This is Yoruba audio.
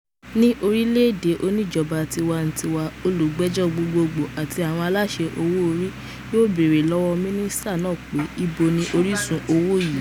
Ní orílẹ̀-èdè oníjọba tiwa-n-tiwa, olùgbẹ́jọ́ gbogboogbò àti àwọn aláṣẹ owó-orí yóò bèèrè lọ́wọ́ mínísítà náà pé íbo ni orísun owó yìí pic.twitter.com/98809Ef1kM